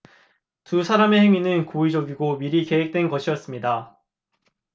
두 사람의 행위는 고의적이고 미리 계획된 것이었습니다